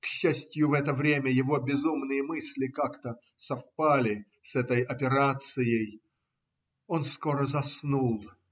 к счастью, в это время его безумные мысли как-то совпали с этой операцией. Он скоро заснул